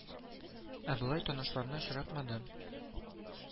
Ә болай танышларны очратмадым